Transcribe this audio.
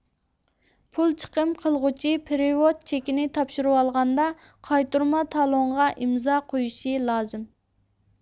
پۇل چىقىم قىلغۇچى پېرېۋوت چېكىنى تاپشۇرۇۋالغاندا قايتۇرما تالونغا ئىمزا قويۇشى لازىم